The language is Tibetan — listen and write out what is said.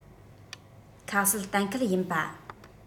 ཁ གསལ གཏན འཁེལ ཡིན པ